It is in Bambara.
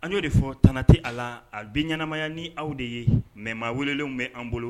An yo de fɔ tana ti a la. A bi ɲɛnamaya ni aw de ye. Mais maa welelenw bɛ bolo.